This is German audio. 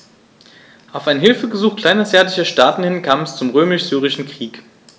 Auf ein Hilfegesuch kleinasiatischer Staaten hin kam es zum Römisch-Syrischen Krieg.